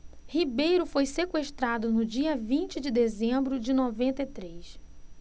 ribeiro foi sequestrado no dia vinte de dezembro de noventa e três